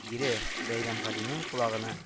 Ире бәйрәмгалинең колагына